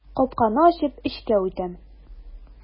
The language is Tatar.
Капканы ачып эчкә үтәм.